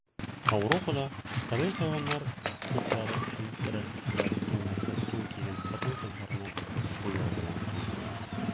Ауропада кыргый хайваннар хокуклары өчен көрәшүчеләр кыйммәтле тун кигән хатын-кызларны буяу белән коендыра.